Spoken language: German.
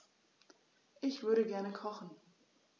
Ich würde gerne kochen.